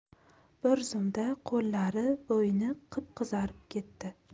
bir zumda qo'llari bo'yni qip qizarib ketdi